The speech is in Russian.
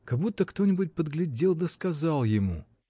Как будто кто-нибудь подглядел да сказал ему!